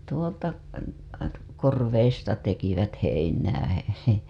tuolta korvista tekivät heinää heh